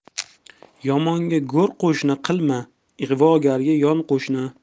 yomonga go'r qo'shni qilma ig'vogarga yon qo'shni